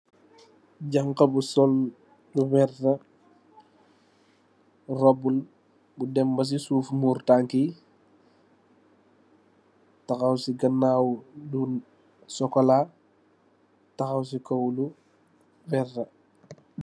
Janxa bu sol lu werta, robu bu dem basi suuf muur taankiyi, taxaw si ganaaw lu sokolaa, taxaw si kaw lu werta.